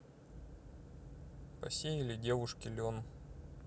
посеяли девушки лен